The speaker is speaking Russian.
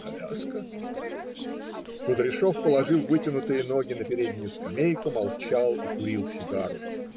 коляска!" Кудряшов, положив вытянутые ноги на переднюю скамейку, молчал и курил сигару.